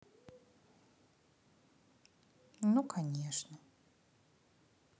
ну конечно